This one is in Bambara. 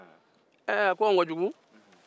a ko anw ka jugu